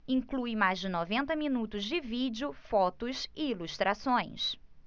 inclui mais de noventa minutos de vídeo fotos e ilustrações